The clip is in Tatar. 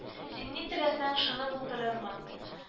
— син ни теләсәң, шуны булдырырмын